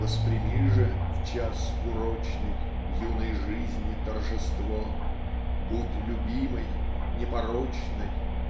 Восприми же в час урочный Юной жизни торжество! Будь любимой, непорочной